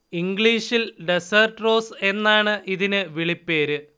ഇംഗ്ലീഷിൽ 'desert rose' എന്നാണ് ഇതിനു വിളിപ്പേര്